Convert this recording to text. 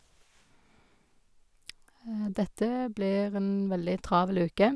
Dette blir en veldig travel uke.